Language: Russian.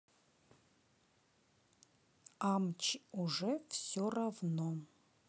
amchi уже все равно